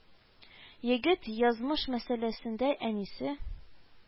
Егет язмыш мәсьәләсендә әнисе